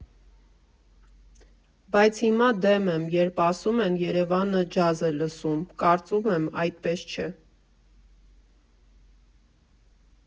Բայց հիմա դեմ եմ, երբ ասում են՝ «Երևանը ջազ է լսում», կարծում եմ՝ այդպես չէ։